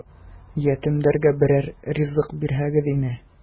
Ятимнәргә берәр ризык бирсәгез иде! ..